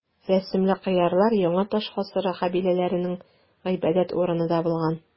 Рәсемле кыялар яңа таш гасыры кабиләләренең гыйбадәт урыны да булган.